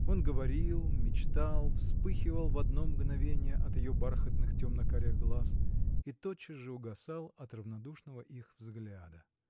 Он говорил, мечтал, вспыхивал в одно мгновение от ее бархатных, темно-карих глаз и тотчас же угасал от равнодушного их взгляда.